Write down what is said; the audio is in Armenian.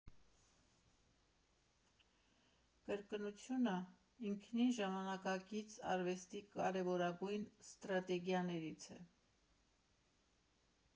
Կրկնությունը ինքնին ժամանակակից արվեստի կարևորագույն ստրատեգիաներից է։